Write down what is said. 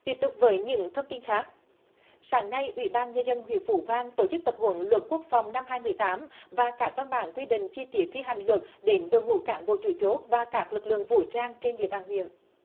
tiếp tục với những thông tin khác sáng nay ủy ban nhân dân huyện phú vang tổ chức tập huấn luật quốc phòng năm hai mười tám và các văn bản quy định chi tiết thi hành luật để đội ngũ cán bộ chủ chốt và các lực lượng vũ trang trên địa bàn huyện